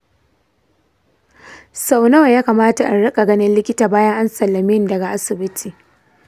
sau nawa ya kamata in riƙa ganin likita bayan an sallame ni daga asibiti?